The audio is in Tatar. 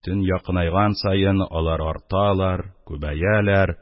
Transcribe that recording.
Төн якынайган саен алар арталар, күбәяләр,